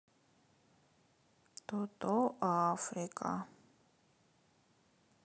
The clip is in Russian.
тото африка